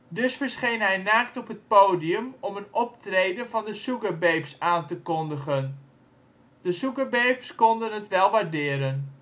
Dus verscheen hij naakt op het podium om een optreden van de Sugababes aan te kondigen. De Sugababes konden het wel waarderen